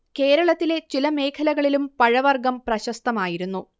കേരളത്തിലെ ചില മേഖലകളിലും പഴവർഗ്ഗം പ്രശസ്തമായിരുന്നു